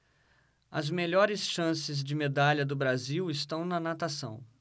as melhores chances de medalha do brasil estão na natação